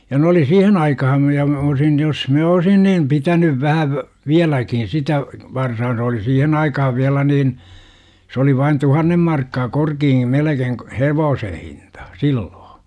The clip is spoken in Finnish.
ja ne oli siihen aikaan mitä minä olisin jos minä olisin niin pitänyt vähän vieläkin sitä varsaa se oli siihen aikaan vielä niin se oli vain tuhannen markkaa korkea melkein - hevosen hinta silloin